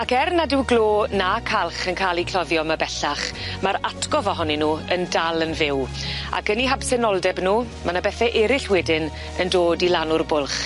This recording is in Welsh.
Ac er nad yw glo na calch yn ca'l 'u cloddio 'ma bellach ma'r atgof ohonyn nw yn dal yn fyw ac yn 'u habsenoldeb nw ma' 'na bethe eryll wedyn yn dod i lanw'r bwlch.